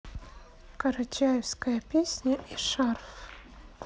карачаевская песня и шарф